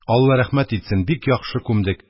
Алла рәхмәт итсен, бик яхшы күмдек